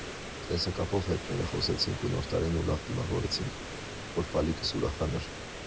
Տեսակապով հետները խոսեցինք ու Նոր տարին ուրախ դիմավորեցինք, որ բալիկս ուրախանար։